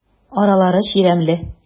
Аралары чирәмле.